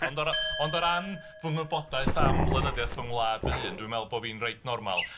Ond o ra- ond o ran fy ngwybodaeth am lenyddiaeth fy ngwlad fy hun, dwi'n meddwl bo' fi'n reit normal.